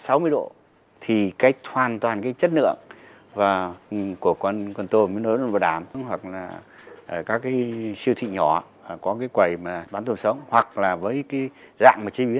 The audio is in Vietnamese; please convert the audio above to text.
sáu mươi độ thì cái hoàn toàn cái chất lượng và của con tôm mới lớn hơn bảo đảm không hoặc là kể cả khi siêu thị nhỏ có cái quầy mà bán đồ sống hoặc là với cái dạng mà chế biến